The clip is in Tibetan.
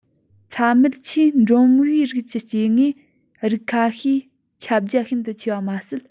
ཚྭ མེད ཆུའི འགྲོན བུའི རིགས ཀྱི སྐྱེ དངོས རིགས ཁ ཤས ཁྱབ རྒྱ ཤིན ཏུ ཆེ བ མ ཟད